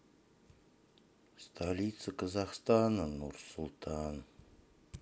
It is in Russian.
столица казахстана нурсултан